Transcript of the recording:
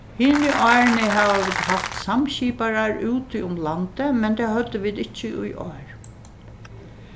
hini árini hava vit havt samskiparar úti um landið men tað høvdu vit ikki í ár